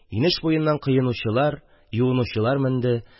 Инеш буеннан коенучылар, юынучылар менде.